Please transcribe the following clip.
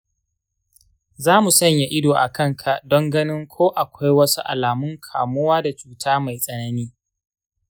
zamu sanya ido a kanka don ganin ko akwai wasu alamun kamuwa da cuta mai tsanani.